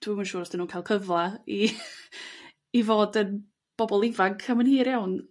Dwi'm yn siwr os 'dyn nhw'n ca'l cyfle i i fod yn bobol ifanc am yn hir iawn.